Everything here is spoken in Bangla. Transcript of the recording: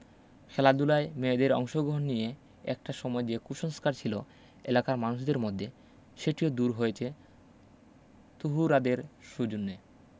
খেলাধুলায় মেয়েদের অংশগহণ নিয়ে একটা সময় যে কুসংস্কার ছিল এলাকার মানুষের মধ্যে সেটিও দূর হয়েছে তুহুরাদের সুজন্যে